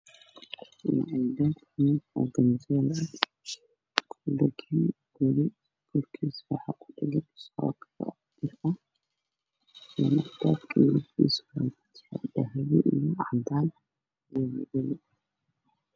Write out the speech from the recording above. Waa albaab wayn oo ganjeel ah midabkiisu waa cadaan iyo dahabi, dhulka waxaa kudhagan bir yar.